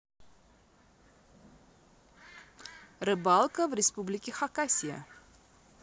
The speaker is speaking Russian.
рыбалка в республике хакасия